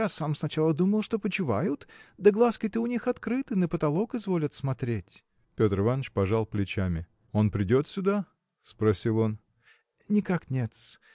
Я сам сначала думал, что почивают, да глазки-то у них открыты на потолок изволят смотреть. Петр Иваныч пожал плечами. – Он придет сюда? – спросил он. – Никак нет-с.